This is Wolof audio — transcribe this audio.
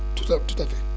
tout à tout à fait